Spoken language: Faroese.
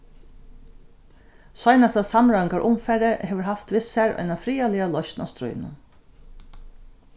seinasta samráðingarumfarið hevur havt við sær eina friðarliga loysn á stríðnum